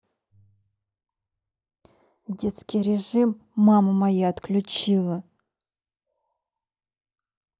детский режим мама моя отключила